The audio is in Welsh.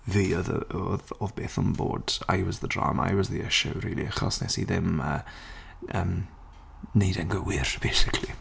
Fi oedd yy oedd oedd beth yn bod. I was the drama, I was the issue really. Achos wnes i ddim yy yym wneud e'n gywir, basically.